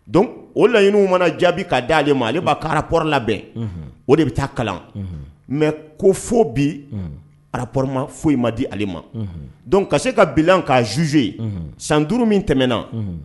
Donc o laɲiniw mana jaabi k'a d'ale ma ale b'a ka rapport labɛn, unhun, o de bɛ taa kalan, unhun, mais ko fo bi rapport fosi ma di ale ma, unhun donc ka se ka bilan k'a jugé san duuru min tɛmɛna, unhun.